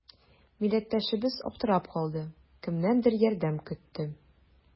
Милләттәшебез аптырап калды, кемнәндер ярдәм көтте.